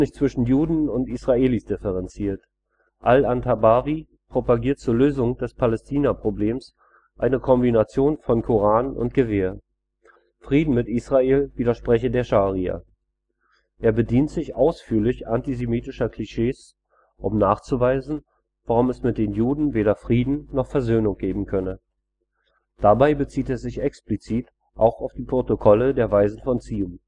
zwischen Juden und Israelis differenziert. Al-Antabawi propagiert zur Lösung des Palästinaproblems eine „ Kombination von Koran und Gewehr “; Frieden mit Israel widerspreche der Scharia. Er bedient sich ausführlich antisemitischer Klischees, um nachzuweisen, warum es mit den Juden weder Frieden noch Versöhnung geben könne. Dabei bezieht er sich explizit auch auf die Protokolle der Weisen von Zion